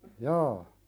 jaa